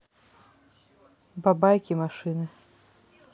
бабайки машины